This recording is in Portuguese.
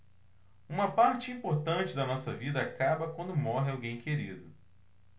uma parte importante da nossa vida acaba quando morre alguém querido